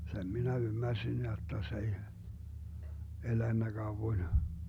sen minä ymmärsin jotta se ei elänyt kauan